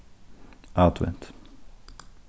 advent